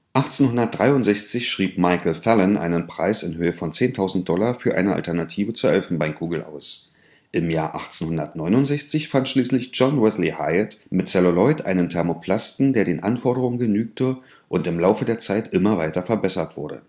1863 schrieb Michael Phelan einen Preis in Höhe von 10.000 $ für eine Alternative zur Elfenbeinkugel aus. Im Jahr 1869 fand schließlich John Wesley Hyatt mit Zelluloid einen Thermoplasten, der den Anforderungen genügte und im Laufe der Zeit immer weiter verbessert wurde